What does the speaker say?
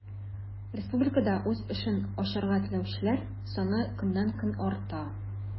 Республикада үз эшен ачарга теләүчеләр саны көннән-көн арта.